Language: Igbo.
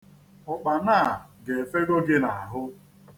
Ụkpana a ga-efego gị n'ahụ.